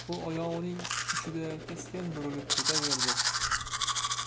u oyog'ining uchida keskin burilib ketaverdi